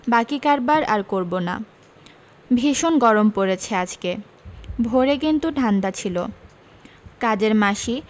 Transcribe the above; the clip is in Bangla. বাকী কারবার আর করবো না ভীষণ গরম পড়েছে আজকে ভোরে কিন্তু ঠান্ডা ছিল কাজের মাসি